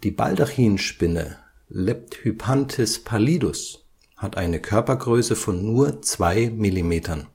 Baldachinspinne Lepthyphantes pallidus hat eine Körpergröße von nur zwei Millimetern